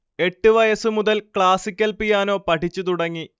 എട്ട് വയസ് മുതൽ ക്ലാസിക്കൽ പിയാനോ പഠിച്ച് തുടങ്ങി